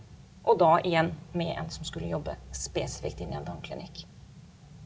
og da igjen med en som skulle jobbe spesifikt inn i en tannklinikk.